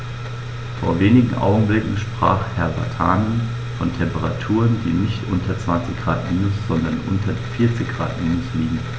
Vor wenigen Augenblicken sprach Herr Vatanen von Temperaturen, die nicht nur unter 20 Grad minus, sondern unter 40 Grad minus liegen.